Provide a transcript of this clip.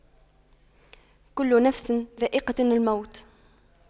كُلُّ نَفسٍ ذَائِقَةُ المَوتِ